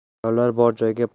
u ayollar bor joyga